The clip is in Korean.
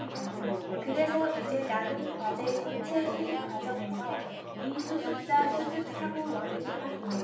그래서 이제 남은 과제 선체 수습 과정에서 미수습자 수습 사고원인 확인